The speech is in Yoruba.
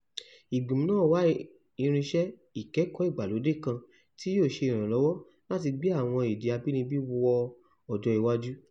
Ìgbìmọ̀ náà ń wá irinṣẹ́ ìkẹ́kọ̀ọ́ ìgbàlódé kan tí yóò ṣe ìrànlọ́wọ́ láti gbé àwọn èdè abínibí wọ ọjọ́ iwájú.